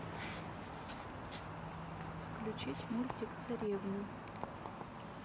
включить мультик царевны